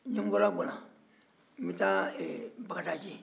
ni n bɔra guwalan n bɛ taa ɛɛ bagadaji